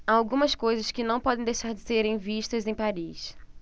há algumas coisas que não podem deixar de serem vistas em paris